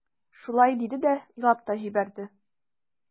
Шулай диде дә елап та җибәрде.